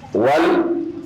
Tuma